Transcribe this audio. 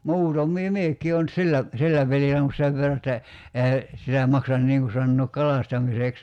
muutamia minäkin olen sillä sillä pelin saanut sen verran että eihän sitä maksa niin kuin sanoa kalastamiseksi